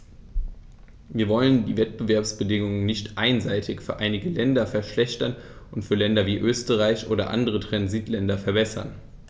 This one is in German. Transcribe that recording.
Wir wollen die Wettbewerbsbedingungen nicht einseitig für einige Länder verschlechtern und für Länder wie Österreich oder andere Transitländer verbessern.